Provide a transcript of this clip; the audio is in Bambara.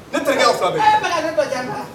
Ne terikɛ ye aw 2 bɛɛ ye, ee